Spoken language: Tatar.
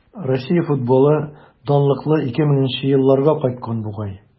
Россия футболы данлыклы 2000 нче елларга кайткан бугай.